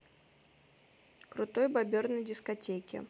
крутой бобер на дискотеке